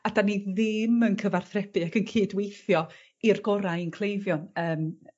A 'dan ni ddim yn cyfarthrebu ac yn cydweithio i'r gora' i'n cleifion yym.